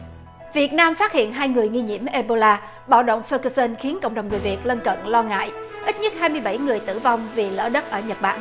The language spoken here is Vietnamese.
việt nam phát hiện hai người nghi nhiễm ê bô la bạo động pê cô sơn khiến cộng đồng người việt lân cận lo ngại ít nhất hai mươi bảy người tử vong vì lở đất ở nhật bản